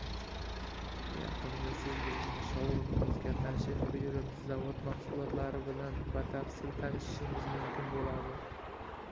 yaqinda siz bizning shou rumimizga tashrif buyurib zavod mahsulotlari bilan batafsil tanishishingiz mumkin bo'ladi